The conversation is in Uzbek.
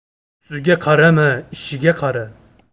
tusiga qarama ishiga qara